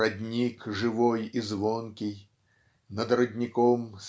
родник живой и звонкий, Над родником